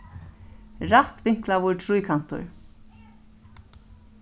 rættvinklaður tríkantur